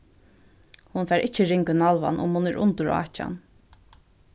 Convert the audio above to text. hon fær ikki ring í nalvan um hon er undir átjan